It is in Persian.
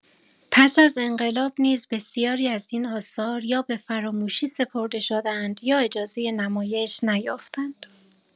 پس از انقلاب نیز بسیاری از این آثار یا به فراموشی سپرده شدند یا اجازه نمایش نیافتند.